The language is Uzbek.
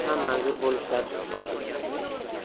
ham manzur bo'lishlari shubhasiz